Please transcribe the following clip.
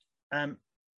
yym